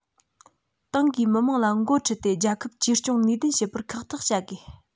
ཏང གིས མི དམངས ལ འགོ ཁྲིད དེ རྒྱལ ཁབ བཅོས སྐྱོང ནུས ལྡན བྱེད པར ཁག ཐེག བྱ དགོས